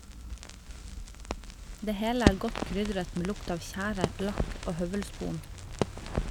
Det hele er godt krydret med lukt av tjære, lakk og høvelspon.